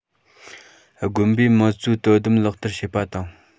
དགོན པས དམངས གཙོའི དོ དམ ལག བསྟར བྱས པ དང